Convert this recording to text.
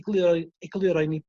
igluo- egluro i mi